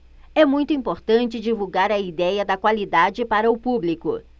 é muito importante divulgar a idéia da qualidade para o público